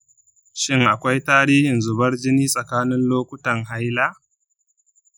shin akwai tarihin zubar jini tsakanin lokutan haila?